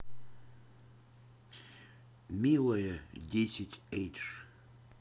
милая 10age